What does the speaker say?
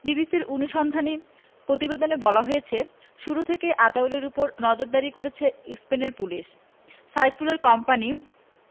বিবিসির অনুসন্ধানী প্রতিবেদনে বলা হয়েছে শুরু থেকেই আতাউলের ওপর নজরদারি করেছে স্পেনের পুলিশ সাইফুলের কোম্পানি